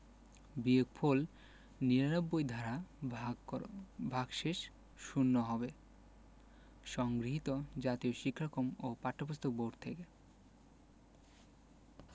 বিয়োগফল ৯৯ দ্বারা ভাগ কর ভাগশেষ শূন্য হবে সংগৃহীত জাতীয় শিক্ষাক্রম ও পাঠ্যপুস্তক বোর্ড থেকে